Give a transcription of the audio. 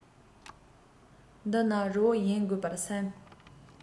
འདི ནི རི བོ ཡིན དགོས པར སེམས